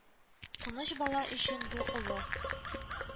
Тыныч бала өчен бу олы